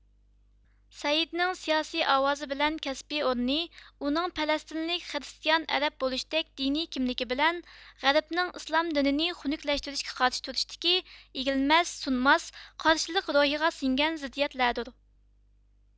سەئىدنىڭ سىياسىي ئاۋازى بىلەن كەسپىي ئورنى ئۇنىڭ پەلەسىتىنلىك خرىستىيان ئەرەب بولۇشتەك دىنىي كىملىكى بىلەن غەربنىڭ ئىسلام دىنىنى خۇنۇكلەشتۈرۈشكە قارشى تۇرۇشتىكى ئېگىلمەس سۇنماس قارشىلىق روھىغا سىڭگەن زىددىيەتلەردۇر